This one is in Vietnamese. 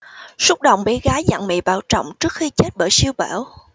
xúc động bé gái dặn mẹ bảo trọng trước khi chết bởi siêu bão